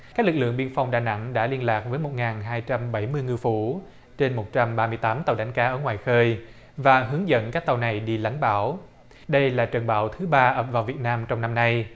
các lực lượng biên phòng đà nẵng đã liên lạc với một ngàn hai trăm bảy mươi ngư phủ trên một trăm ba mươi tám tàu đánh cá ở ngoài khơi và hướng dẫn các tàu này đi lánh bảo đây là trận bão thứ ba vào việt nam trong năm nay